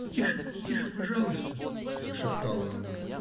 - Тише, тише, пожалуйста, - зашептала она.